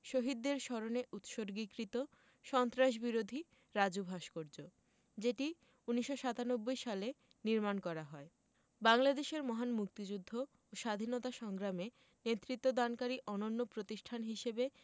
শহীদদের স্মরণে উৎসর্গীকৃত সন্ত্রাসবিরোধী রাজু ভাস্কর্য যেটি১৯৯৭ সালে নির্মাণ করা হয় বাংলাদেশের মহান মুক্তিযুদ্ধ ও স্বাধীনতা সংগ্রামে নেতৃত্বদানকারী অনন্য প্রতিষ্ঠান হিসেবে